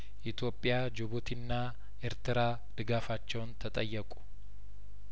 ኢትዮጵያ ጅቡቲና ኤርትራ ድጋፋቸውን ተጠየቁ